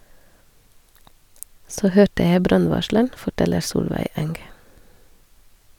Så hørte jeg brannvarsleren, forteller Solveig Eng.